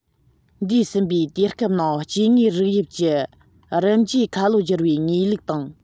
འདས ཟིན པའི དུས སྐབས ནང སྐྱེ དངོས རིགས དབྱིབས ཀྱི རིམ བརྗེ ཁ ལོ བསྒྱུར པའི ངེས ལུགས དང